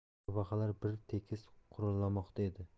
qurbaqalar bir tekis qurillamoqda edi